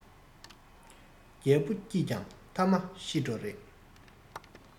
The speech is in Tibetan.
རྒྱལ པོ སྐྱིད ཀྱང ཐ མ ཤི འགྲོ རེད